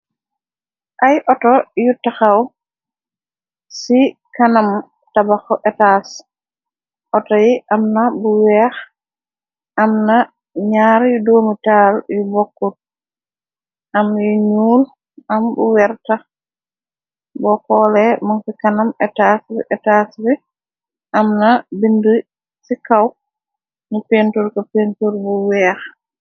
Ay auto yu taxaw, ci kanam tabaxu etas, auto yi am na bu weex, am na ñaar yu duomi taal yu bokkut, am yu ñuul, am bu wertax, bo coole mën ci kanam etas bi, etas bi am na bind ci kaw, nu pentur ka pentur bu weex.